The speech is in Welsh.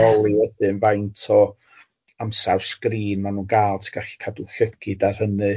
...holi wedyn faint o amsar sgrin ma' nhw'n gal, ti'n gallu cadw llygyd ar hynny.